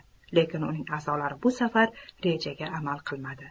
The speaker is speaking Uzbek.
lekin uning a'zolari bu safar rejaga amal qilmadi